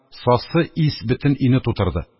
Сасы ис бөтен өйне тутырды.